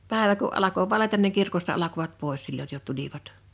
päivä kun alkoi valjeta niin kirkosta alkoivat pois silloin jo tulivat